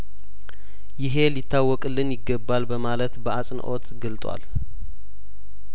ይሄ ሊታወቅልን ይገባል በማለት በአጽንኦት ገልጧል